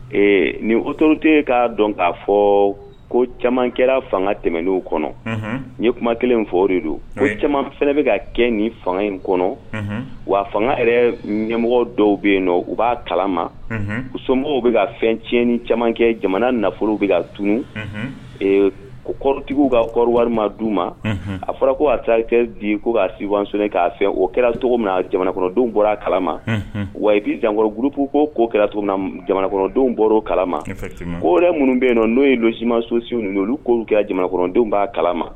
Nin otoro tɛ k'a dɔn k'a fɔ ko caman kɛra fanga tɛmɛnen kɔnɔ ye kuma kelen in fɔ o de don ko caman fana bɛ ka kɛ ni fanga in kɔnɔ wa fanga yɛrɛ ɲɛmɔgɔ dɔw bɛ yen nɔ u b'a kalama somɔgɔww bɛ ka fɛn tiɲɛn ni caman kɛ jamana nafolow bɛ ka dunun kɔrɔɔritigiww ka koɔri warima d u ma a fɔra ko a taarake di ko' siwaso k'a fɛ o kɛra cogo min jamanakɔrɔdenw bɔra kalama wa i bi jankɔrɔkuruurup ko ko kɛra jamanakdenw bɔrao kala' yɛrɛ minnu bɛ yen n'o ye jiman sosiw ninnu don olu'olu kɛra jamanakdenw b'a kalama